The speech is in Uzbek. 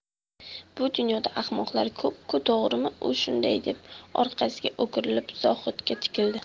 bu dunyoda ahmoqlar ko'p ku to'g'rimi u shunday deb orqasiga o'girilib zohidga tikildi